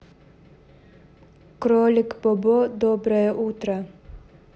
кролик бобо доброе утро